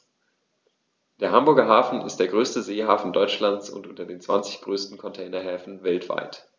Der Hamburger Hafen ist der größte Seehafen Deutschlands und unter den zwanzig größten Containerhäfen weltweit.